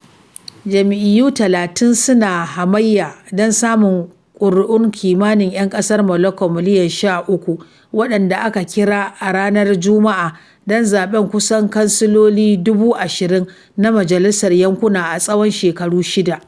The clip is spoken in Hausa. Jam’iyyu talatin suna hamayya don samun ƙuri’un kimanin ‘yan ƙasar Morocco miliyan 13 waɗanda aka kira a ranar Juma’a don zaɓen kusan kansiloli 20,000 na majalisun yankuna na tsawon shekaru shida.